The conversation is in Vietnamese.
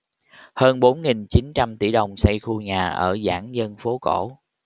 hơn bốn nghìn chín trăm tỷ đồng xây khu nhà ở giãn dân phố cổ